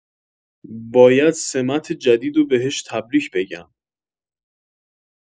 باید سمت جدیدو بهش تبریک بگم